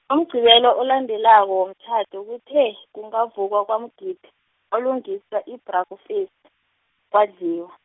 ngoMgqibelo olandela womtjhado kuthe, kungavukwa kwaMgidi kwalungiswa ibhrakufesi, kwadliwa.